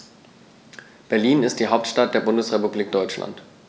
Berlin ist die Hauptstadt der Bundesrepublik Deutschland.